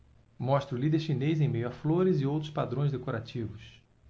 mostra o líder chinês em meio a flores e outros padrões decorativos